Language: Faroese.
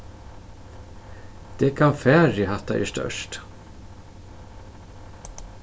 dekan fari hatta er stórt